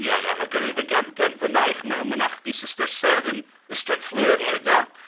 Ia, Ia a grëwyd gan... gan fynaich mewn mynachdy Sistersaidd, yn Ystrad Fflur, ynde...